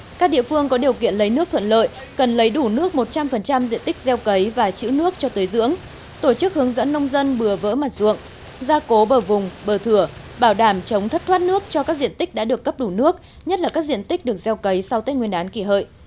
các địa phương có điều kiện lấy nước thuận lợi cần lấy đủ nước một trăm phần trăm diện tích gieo cấy và trữ nước cho tưới dưỡng tổ chức hướng dẫn nông dân bừa vỡ mặt ruộng gia cố bờ vùng bờ thửa bảo đảm chống thất thoát nước cho các diện tích đã được cấp đủ nước nhất là các diện tích được gieo cấy sau tết nguyên đán kỷ hợi